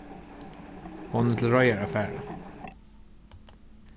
hon er til reiðar at fara